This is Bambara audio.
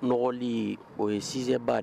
N nɔgɔli o ye sujet ba de